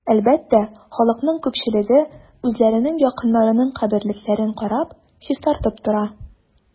Әлбәттә, халыкның күпчелеге үзләренең якыннарының каберлекләрен карап, чистартып тора.